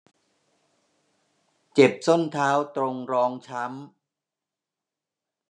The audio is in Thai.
เจ็บส้นเท้าตรงรองช้ำ